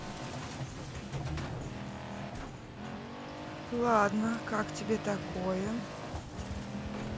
ладно как тебе такое